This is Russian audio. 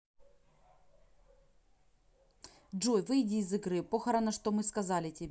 джой выйди из игры похорона что мы сказали тебе